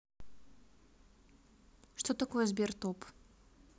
что такое сбер топ